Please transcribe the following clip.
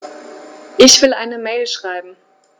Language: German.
Ich will eine Mail schreiben.